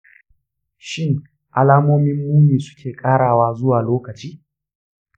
shin alamomin muni suke ƙarawa zuwa lokaci?